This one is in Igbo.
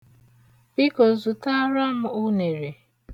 Biko zụtaara m unere.